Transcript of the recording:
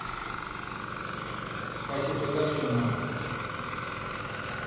спасибо за все мам